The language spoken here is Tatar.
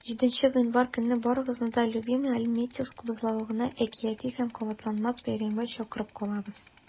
7 гыйнвар көнне барыгызны да "любимыйальметьевск" бозлавыгына әкияти һәм кабатланмас бәйрәмгә чакырып калабыз!